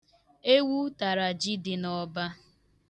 Ewu tara ji dị n'ọba.